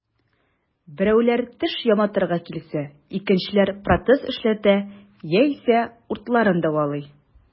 Берәүләр теш яматырга килсә, икенчеләр протез эшләтә яисә уртларын дәвалый.